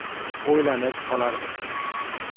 o'ylanib qolardi